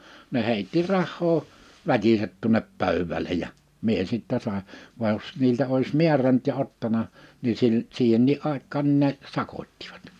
ne heitti rahaa väkisin tuonne pöydälle ja minä sitten sain vaan jos niiltä olisi määrännyt ja ottanut niin - siihenkin aikaan niin ne sakottivat